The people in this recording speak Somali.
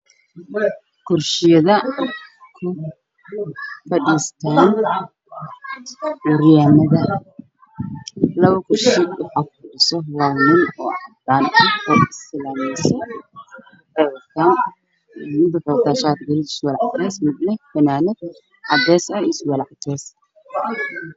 Meeshaan waxaa yaalla kursiga curyaamiinta labo kursi waxaa ku fadhiya laba nin oo curyaamiina oo is salaamayo